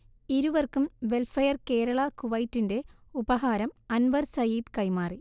ഇരുവർക്കും വെൽഫെയർ കേരള കുവൈറ്റിന്റെ ഉപഹാരം അൻവർ സയീദ് കൈമാറി